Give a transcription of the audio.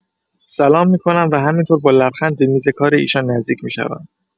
سلام می‌کنم و همینطور با لبخند به میز کار ایشان نزدیک می‌شوم.